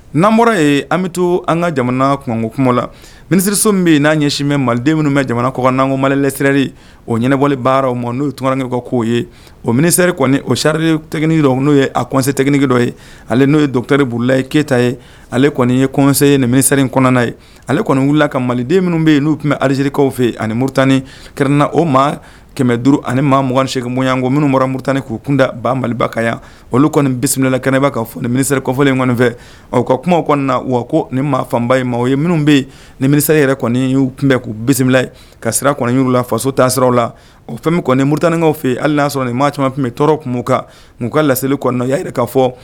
N'an bɔra yen an bɛ to an ka jamana kunko kuma la minisiririso bɛ n'a ɲɛsinmɛ maliden minnu bɛ jamana kɔkan nako malilɛsreri o ɲɛnɛbɔ baaraw ma n'o ye tunkara ka'o ye o minisɛreri o sariyariini dɔ n'u ye a kɔnse tɛkinige dɔ ye ale n'o ye dɔnkilicteri burula ye keyita ye ale kɔni ye kɔnse ye nin minisɛri kɔnɔna ye ale kɔni wulilala ka maliden minnu bɛ yen n'u tun bɛ alizekaw fɛ ani mutani kɛrɛn na o ma kɛmɛ duuru ani maa m 2sebonyan ko minnu bɔra mu tanani k'u kunda ban mali ka yan olu kɔni bisimilala kɛnɛba ka fɔ nin minisirire kɔfilen kɔnifɛ o ka kuma kɔnɔna na wa ko nin maa fanba in ma o ye minnu bɛ nin minisare yɛrɛ kɔni'u tunbɛn k'u bisimila ye ka sira kɔni y' la faso ta siraw la o fɛn kɔni mutinkaw fɛ halil y'a sɔrɔ nin maa camanfin bɛ tɔɔrɔ kun kan mun ka laselili kɔnɔ a jira k ka fɔ